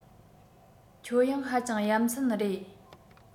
ཁྱོད ཡང ཧ ཅང ཡ མཚན རེད